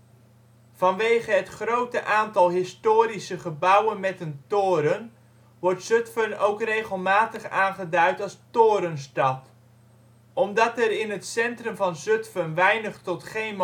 Vanwege het grote aantal historische gebouwen met een toren wordt Zutphen ook regelmatig aangeduid als Torenstad. Omdat er in het centrum van Zutphen weinig tot geen